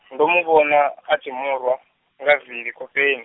ndo muvhona, a tshi murwa, nga vili khofheni.